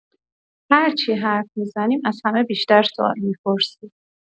هرچی حرف می‌زنیم، از همه بیشتر سؤال می‌پرسی.